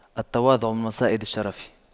التواضع من مصائد الشرف